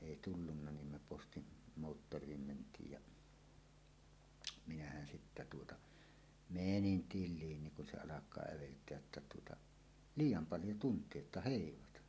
ei tullut niin me postin moottoriin mentiin ja minähän sitten tuota menin tiliin niin kun se alkaa äveltää jotta tuota liian paljon tuntia että heivata